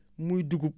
muy dugub